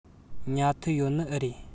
ཉལ ཐུལ ཡོད ནི ཨེ རེད